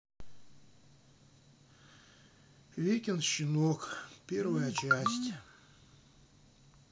викин щеночек первая часть